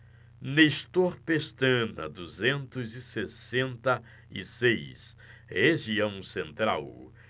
nestor pestana duzentos e sessenta e seis região central